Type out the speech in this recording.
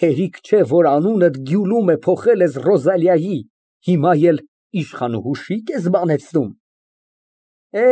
Հերիք չէ, որ անունդ Գյուլում է, փոխել ես Ռոզալիայի, հիմա էլ իշխանուհու շիկ ես բանեցնում։